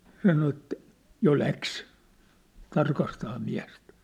sanoi että jo lähti tarkastamaan miestä